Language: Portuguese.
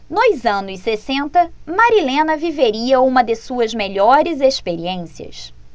nos anos sessenta marilena viveria uma de suas melhores experiências